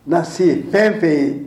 Na se fɛn fɛ yen